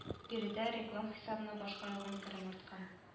Биредә реклам хисабына башкарылган керем арткан